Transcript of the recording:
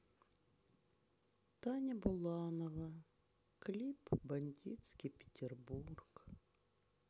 таня буланова клип бандитский петербург